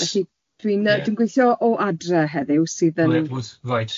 Felly dwi'n yy dwi'n gweithio o adre heddyw sydd yn yy... It was right.